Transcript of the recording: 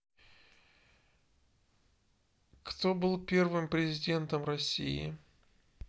кто был первым президентом россии